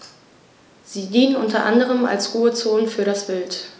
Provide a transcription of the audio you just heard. Sie dienen unter anderem als Ruhezonen für das Wild.